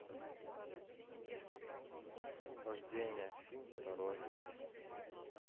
освобождение фильм второй